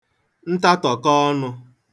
ntatàkọ ọnụ̄